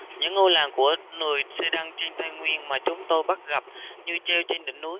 những ngôi làng của người xê đăng trên tây nguyên mà chúng tôi bắt gặp như treo trên đỉnh núi